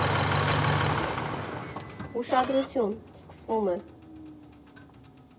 Ուշադրություն, սկսվում է…